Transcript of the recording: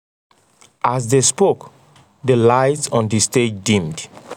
As they spoke, the lights on the stage dimmed.